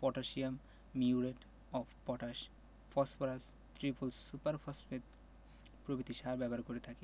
potassium muriate of potash phosphorus triple super phosphate প্রভৃতি সার ব্যবহার করে থাকি